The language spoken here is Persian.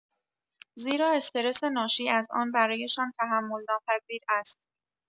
زیرا استرس ناشی از آن برایشان تحمل‌ناپذیر است.